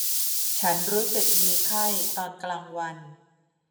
ฉันรู้สึกมีไข้ตอนกลางวัน